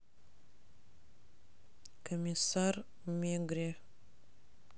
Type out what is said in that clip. комиссар мегре